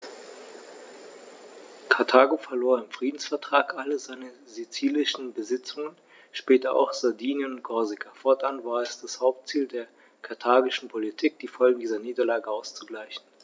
Karthago verlor im Friedensvertrag alle seine sizilischen Besitzungen (später auch Sardinien und Korsika); fortan war es das Hauptziel der karthagischen Politik, die Folgen dieser Niederlage auszugleichen.